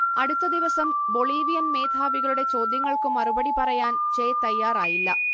അടുത്ത ദിവസം ബൊളീവിയൻ മേധാവികളുടെ ചോദ്യങ്ങൾക്കു മറുപടി പറയാൻ ചെ തയ്യാറായില്ല